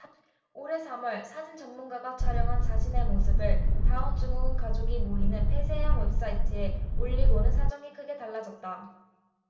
올해 삼 월 사진 전문가가 촬영한 자신의 모습을 다운증후군 가족이 모이는 폐쇄형 웹사이트에 올리고는 사정이 크게 달라졌다